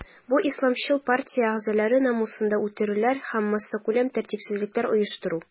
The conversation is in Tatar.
Бу исламчыл партия әгъзалары намусында үтерүләр һәм массакүләм тәртипсезлекләр оештыру.